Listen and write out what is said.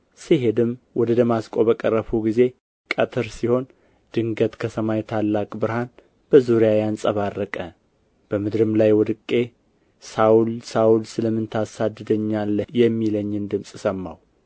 ስሄድም ወደ ደማስቆ በቀረብሁ ጊዜ ቀትር ሲሆን ድንገት ከሰማይ ታላቅ ብርሃን በዙሪያዬ አንጸባረቀ በምድርም ላይ ወድቄ ሳውል ሳውል ስለ ምን ታሳድደኛለህ የሚለኝን ድምፅ ሰማሁ